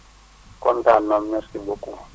kontaan nañu merci beaucoup